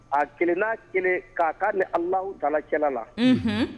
A 1 n'a 1 k'a k'ani Allahou ta Alaa cɛla la. Unhun!